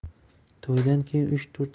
to'ydan keyin uch to'rt oy